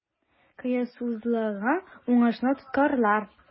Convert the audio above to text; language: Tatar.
Кыюсызлыгың уңышны тоткарлар.